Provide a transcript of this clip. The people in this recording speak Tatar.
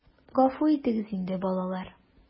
Гафу итегез инде, балалар...